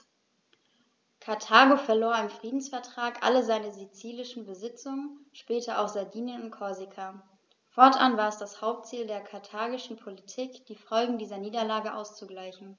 Karthago verlor im Friedensvertrag alle seine sizilischen Besitzungen (später auch Sardinien und Korsika); fortan war es das Hauptziel der karthagischen Politik, die Folgen dieser Niederlage auszugleichen.